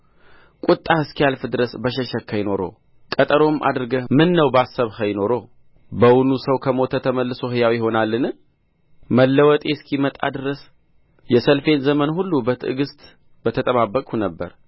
ቍጣህ እስኪያልፍ ድረስ በሸሸግኸኝ ኖሮ ቀጠሮም አድርገህ ምነው ባሰብኸኝ ኖሮ በውኑ ሰው ከሞተ ተመልሶ ሕያው ይሆናልን መለወጤ እስኪመጣ ድረስ የሰልፌን ዘመን ሁሉ በትዕግሥት በተጠባበቅሁ ነበር